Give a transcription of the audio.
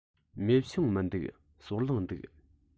མེ ཤིང མི འདུག སོལ རླངས འདུག